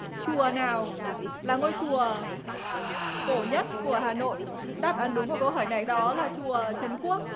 chùa nào là ngôi chùa cổ nhất của hà nội đáp án đúng của câu hỏi này đó là chùa trấn quốc